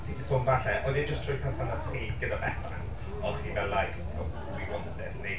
Ti 'di sôn falle... Oedd e jyst trwy perthynas chi gyda Bethan? O'ch chi fel, like we want this neu?